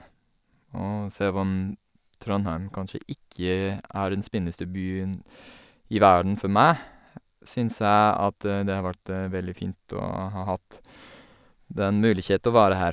Og selv om Trondheim kanskje ikke er den spenneste byen i verden for meg, syns jeg at det har vært veldig fint å ha hatt den mulighet å være her.